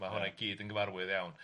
ma' hwnna i gyd yn gyfarwydd iawn.